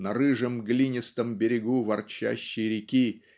на рыжем глинистом берегу ворчащей реки